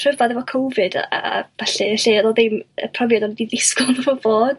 rhyfadd efo covid a a ballu felly o'dd o ddim y profiad o ni 'di ddisgwl 'fo fod